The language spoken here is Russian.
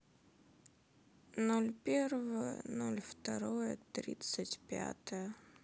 ноль первое ноль второе тридцать пятое